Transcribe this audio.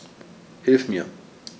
Hilf mir!